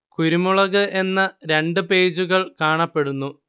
കുരുമുളക് എന്ന രണ്ട് പേജുകൾ കാണപ്പെടുന്നു